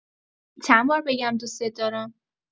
چندبار بگم دوست دارم؟